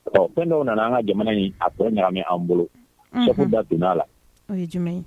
Ɔ fɛn dɔw nana an ka jamana in a bɛɛ namɛ an bolo ja da donna a la o ye jumɛn